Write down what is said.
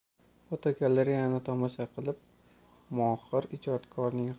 fotogalereyani tomosha qilib mohir ijodkorning